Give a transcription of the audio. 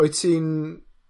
Wyt ti'n,